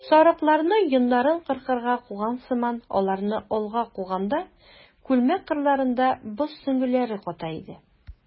Сарыкларны йоннарын кыркырга куган сыман аларны алга куганда, күлмәк кырларында боз сөңгеләре ката иде.